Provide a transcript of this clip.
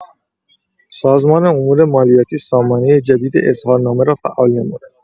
سازمان امورمالیاتی سامانه جدید اظهارنامه را فعال نمود.